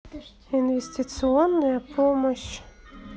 инвестиционная помощь